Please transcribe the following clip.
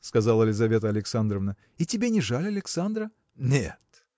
– сказала Лизавета Александровна, – и тебе не жаль Александра? – Нет.